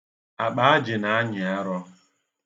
Akpa ajị na-anyị arọ.